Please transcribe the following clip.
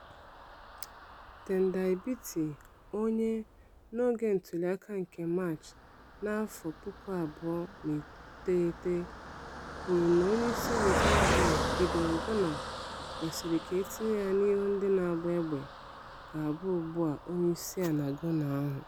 Tendai Biti onye, n'oge ntuliaka nke Maachị 2008 kwuru na Onyeisi Reserve Bank Gideon Gono "kwesịrị ka etinye ya n'ihu ndị na-agba egbe" ga-abụ ugbua onyeisi Gono ahụ.